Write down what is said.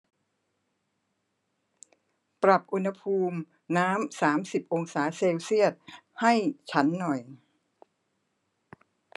ปรับอุณหภูมิน้ำสามสิบองศาเซลเซียสให้ฉันหน่อย